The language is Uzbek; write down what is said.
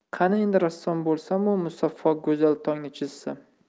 qani endi rassom bo'lsamu musaffo go'zal tongni chizsam